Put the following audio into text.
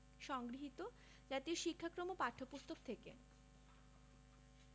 সংগৃহীত জাতীয় শিক্ষাক্রম ও পাঠ্যপুস্তক থেকে